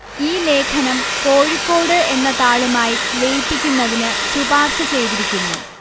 ഈ ലേഖനം കോഴിക്കോട് എന്ന താളുമായി ലയിപ്പിക്കുന്നതിന് ശുപാർശ ചെയ്തിരിക്കുന്നു